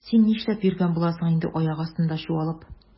Син нишләп йөргән буласың инде аяк астында чуалып?